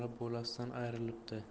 onalar bolasidan ayrilibdi